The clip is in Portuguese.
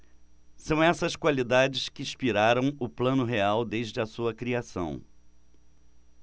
são essas qualidades que inspiraram o plano real desde a sua criação